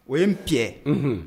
O ye p h